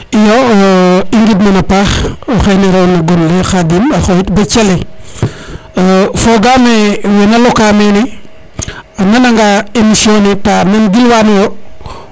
iyo in way ngid mana paax o xene rawna gonle Khadim a xoyit bo cale fogame wena loka mene a mana nga émission en ta nan gilwano yo